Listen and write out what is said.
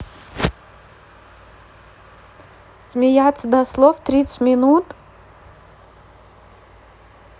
смеяться до слов тридцать минут